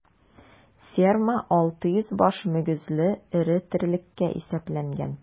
Ферма 600 баш мөгезле эре терлеккә исәпләнгән.